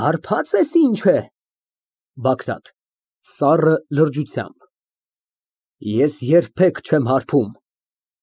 Հարբա՞ծ ես, ի՞նչ է։ ԲԱԳՐԱՏ ֊ (Սառը լրջությամբ) Ես երբեք չեմ հարբում։